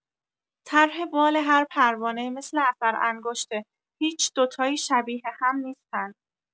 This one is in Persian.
طرح بال هر پروانه مثل اثر انگشته، هیچ دوتایی شبیه هم نیستن.